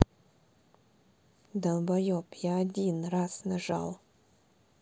долбоеб я один раз нажал